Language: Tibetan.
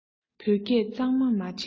བོད སྐད གཙང མ མ བྲལ